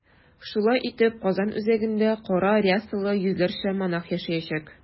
Шулай итеп, Казан үзәгендә кара рясалы йөзләрчә монах яшәячәк.